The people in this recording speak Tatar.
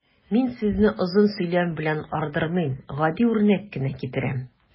Мин сезне озын сөйләм белән ардырмыйм, гади үрнәк кенә китерәм.